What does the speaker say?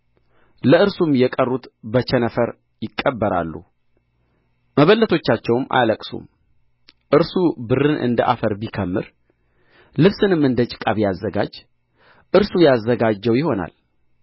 ለእርሱም የቀሩት በቸነፈር ይቀበራሉ መበለቶቻቸውም አያለቅሱም እርሱ ብርን እንደ አፈር ቢከምር ልብስንም እንደ ጭቃ ቢያዘጋጅ እርሱ ያዘጋጀው ይሆናል